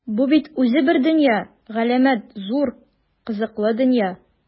Бу бит үзе бер дөнья - галәмәт зур, кызыклы дөнья!